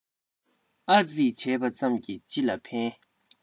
ཨ ཙི བྱས པ ཙམ གྱིས ཅི ལ ཕན